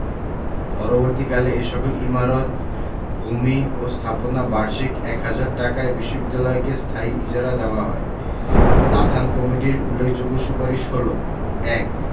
পরবর্তীকালে এ সকল ইমারত ভূমি ও স্থাপনা বার্ষিক এক হাজার টাকায় বিশ্ববিদ্যালয়কে স্থায়ী ইজারা দেওয়া হয় নাথান কমিটির উল্লেখযোগ্য সুপারিশ হলো: ১